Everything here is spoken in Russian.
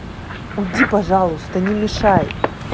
уйди пожалуйста не мешай